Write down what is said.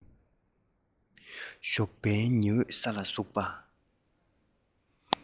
ཞོགས པའི ཉི འོད ས ལ ཟུག པ